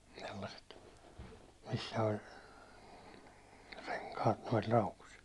sellaiset missä oli renkaat noissa laukuissa